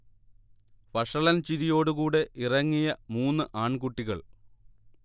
വഷളൻ ചിരിയോടെ കൂടെ ഇറങ്ങിയ മൂന്നു ആൺകുട്ടികൾ